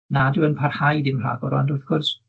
Nad yw e'n parhau ddim rhagor, ond wrth gwrs